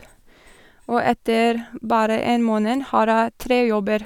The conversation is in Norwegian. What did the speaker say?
Og etter bare en måned har jeg tre jobber.